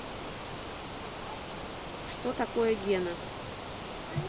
что такое гена